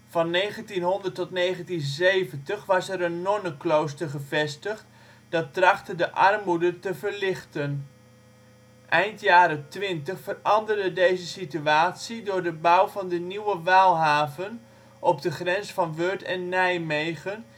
Van 1900 tot 1970 was er een nonnenklooster gevestigd, dat trachtte de armoede te verlichten. Eind jaren twintig veranderde deze situatie door de bouw van de nieuwe Waalhaven op de grens van Weurt en Nijmegen